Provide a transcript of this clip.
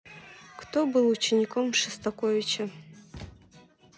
кто был учеником шостаковича